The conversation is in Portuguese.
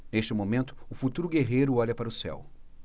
neste momento o futuro guerreiro olha para o céu